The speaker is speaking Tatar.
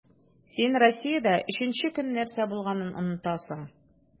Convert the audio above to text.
Син Россиядә өченче көн нәрсә булганын онытасың.